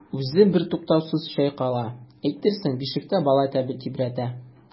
Үзе бертуктаусыз чайкала, әйтерсең бишектә бала тибрәтә.